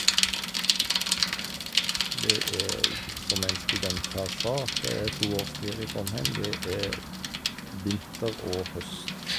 Det er som en student her sa, at det er to årstider i Trondheim, det er vinter og høst.